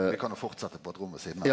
vi kan jo fortsette på eit rom ved sidan av.